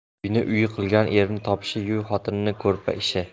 uyni uy qilgan erning topishi yu xotinning ko'rpa ishi